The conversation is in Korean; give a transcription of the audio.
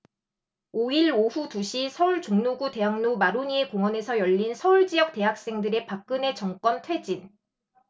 오 일 오후 두 시 서울 종로구 대학로 마로니에 공원에서 열린 서울지역 대학생들의 박근혜 정권 퇴진